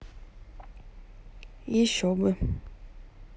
еще бы